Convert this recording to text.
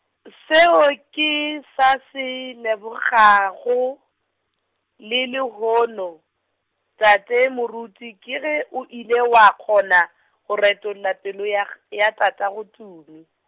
seo ke sa se lebogago, le lehono, tate Moruti ke ge o ile wa kgona, go retolla pelo ya g-, ya tatagoTumi.